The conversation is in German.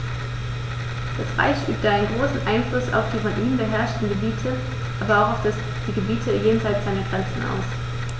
Das Reich übte einen großen Einfluss auf die von ihm beherrschten Gebiete, aber auch auf die Gebiete jenseits seiner Grenzen aus.